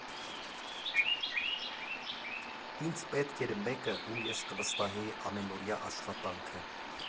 Ինձ պետք էր մեկը, ում ես կվստահեի ամենօրյա աշխատանքը։